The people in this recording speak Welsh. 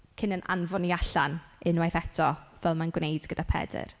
Cyn ein anfon ni allan unwaith eto, fel mae'n gwneud gyda Pedr.